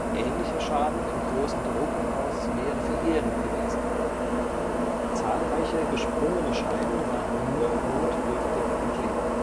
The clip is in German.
ähnlicher Schaden im Großen Tropenhaus wäre verheerend gewesen. Zahlreiche gesprungene Scheiben waren nur notdürftig geklebt